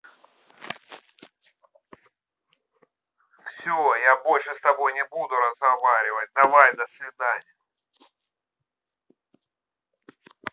все я больше с тобой не буду разговаривать давай до свидания